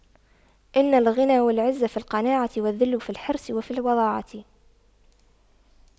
إن الغنى والعز في القناعة والذل في الحرص وفي الوضاعة